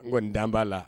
N kɔni da n b'a la